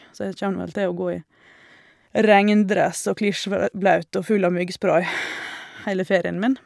Så jeg kjem nå vel til å gå i regndress og klissv blaut og full av myggspray heile ferien min.